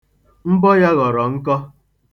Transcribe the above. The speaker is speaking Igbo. Mbọ ya ghọrọ nkọ.